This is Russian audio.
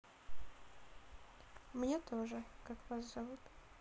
мне тоже а как вас зовут